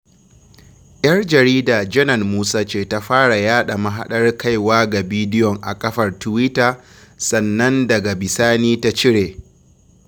Yar jarida Jenan Moussa ce ta fara yaɗa mahaɗar kaiwa ga bidiyon a kafar Tiwita, sannan daga bisani ta cire.